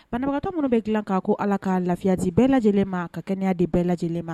Banabaatɔ minnu bɛ gilan kan an ba fɔ ko Ala ka lafiya di bɛɛ lajɛlen ma ka kɛnɛya di bɛɛ lajɛlen ma.